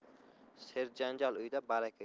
serjanjal uyda baraka yo'q